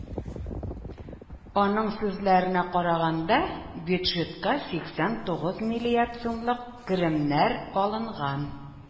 Аның сүзләренә караганда, бюджетка сиксән тугыз миллиард сумлык керемнәр алынган.